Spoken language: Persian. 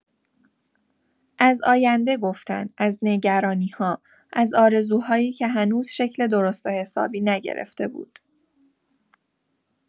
از آینده گفتن، از نگرانی‌ها، از آرزوهایی که هنوز شکل درست‌وحسابی نگرفته بود.